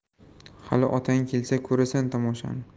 hali otang kelsa ko'rasan tomoshani